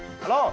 a lô